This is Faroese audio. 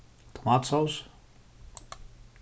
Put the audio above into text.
tomatsós